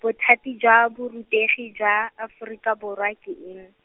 bothati jwa borutegi jwa Aforika Borwa ke eng?